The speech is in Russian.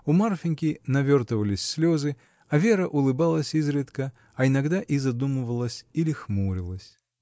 У Марфиньки навертывались слезы, а Вера улыбалась изредка, а иногда и задумывалась или хмурилась.